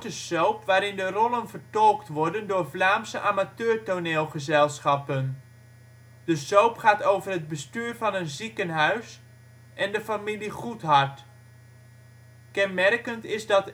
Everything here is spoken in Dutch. soap waarin de rollen vertolkt worden door Vlaamse amateurtoneelgezelschappen. De soap gaat over het bestuur van een ziekenhuis en de familie Goedthart. Kenmerkend is dat